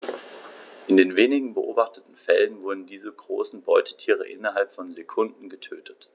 In den wenigen beobachteten Fällen wurden diese großen Beutetiere innerhalb von Sekunden getötet.